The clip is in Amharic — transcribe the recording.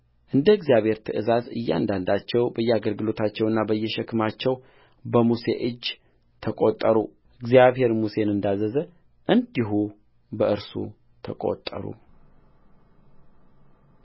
እንደ እግዚአብሔር ትእዛዝ እያንዳንዳቸው በየአገልግሎታቸውና በየሸክማቸው በሙሴ እጅ ተቈጠሩ እግዚአብሔር ሙሴን እንዳዘዘ እንዲሁ በእርሱ ተቈጠሩ